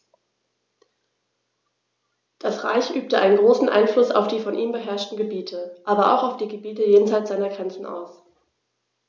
Das Reich übte einen großen Einfluss auf die von ihm beherrschten Gebiete, aber auch auf die Gebiete jenseits seiner Grenzen aus.